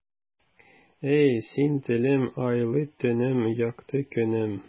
Әй, син, телем, айлы төнем, якты көнем.